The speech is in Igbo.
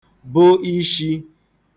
bụ ishī